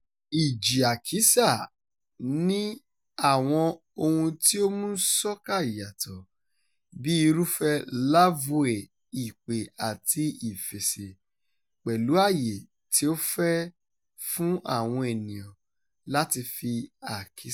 "Ìjì Àkísà" ní àwọn ohun tí ó mú soca yàtọ̀ — bíi irúfẹ́ lavway ìpè-àti-ìfèsì, pẹ̀lú àyè tí ó fẹ́ fún àwọn ènìyàn láti fi àkísà.